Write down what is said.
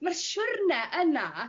ma'r siwrne yna